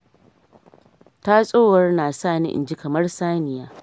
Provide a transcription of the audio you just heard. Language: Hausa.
Tatsowar na sani inji kamar saniya.